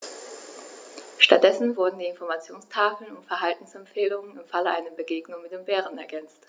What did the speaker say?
Stattdessen wurden die Informationstafeln um Verhaltensempfehlungen im Falle einer Begegnung mit dem Bären ergänzt.